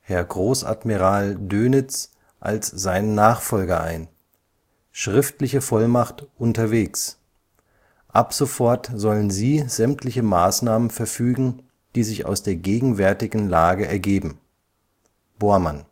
Herr Großadmiral Dönitz, als seinen Nachfolger ein. Schriftliche Vollmacht unterwegs. Ab sofort sollen Sie sämtliche Maßnahmen verfügen, die sich aus der gegenwärtigen Lage ergeben. Bormann